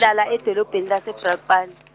nghlala edolobheni lase- Brakpan.